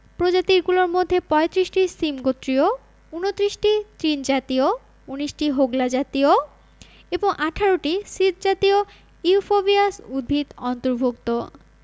প্রজাতিগুলোর মধ্যে ৩৫টি শিমগোত্রীয় ২৯টি তৃণজাতীয় ১৯টি হোগলাজাতীয় এবং ১৮টি সিজজাতীয় ইউফোবিয়াস উদ্ভিদ অন্তর্ভুক্ত